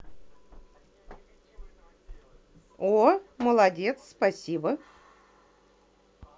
о молодец спасибо